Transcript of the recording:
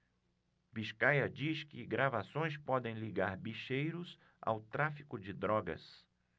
biscaia diz que gravações podem ligar bicheiros ao tráfico de drogas